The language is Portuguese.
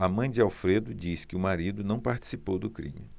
a mãe de alfredo diz que o marido não participou do crime